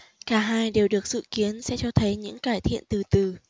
cả hai đều được dự kiến sẽ cho thấy những cải thiện từ từ